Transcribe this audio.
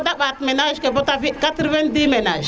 bo de ɓàt ménage ke bata fi 90 ménages=fran